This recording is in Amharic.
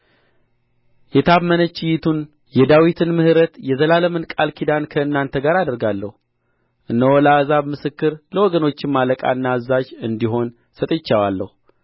የታመነችይቱን የዳዊትን ምሕረት የዘላለምን ቃል ኪዳን ከእናንተ ጋር አደርጋለሁ እነሆ ለአሕዛብ ምስክር ለወገኖችም አለቃና አዛዥ እንዲሆን ሰጥቼዋለሁ